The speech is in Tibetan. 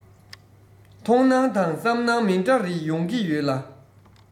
མཐོང སྣང དང བསམ སྣང མི འདྲ རེ ཡོང གི ཡོད ལ